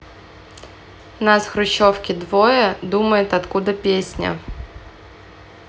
нас хрущевки двое думает откуда песня